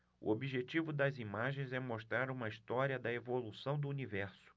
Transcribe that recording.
o objetivo das imagens é mostrar uma história da evolução do universo